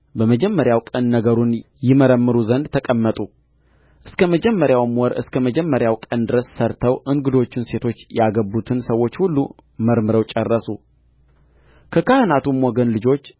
በመጀመሪያው ቀን ነገሩን ይመረምሩ ዘንድ ተቀመጡ እስከ መጀመሪያው ወር እስከ መጀመሪያው ቀን ድረስ ሠረተው እንግዶቹን ሴቶች ያገቡትን ሰዎች ሁሉ መርምረው ጨረሱ ከካህናቱም ወገን ልጆች